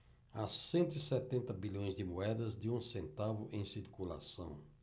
há cento e setenta bilhões de moedas de um centavo em circulação